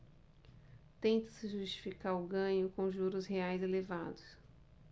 tenta-se justificar o ganho com os juros reais elevados